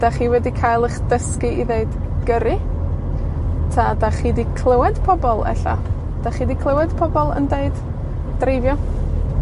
'Dach chi wedi ca'l 'ych dysgu i ddeud gyrru? 'Ta 'dach chi 'di clywed pobol, ella, 'dach chi 'di clywed pobol yn deud dreifio?